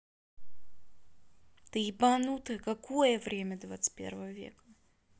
ты ебанутая какое время двадцать первого века